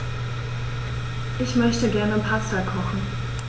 Ich möchte gerne Pasta kochen.